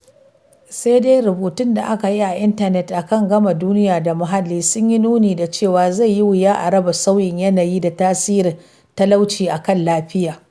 Sai dai, rubutun da aka yi a intanet a kan Gama-duniya da Muhalli sun yi nuni da cewa, zai yi wuya a raba sauyin yanayi da tasirin talauci a kan lafiya.